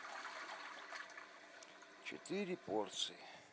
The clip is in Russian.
четыре порции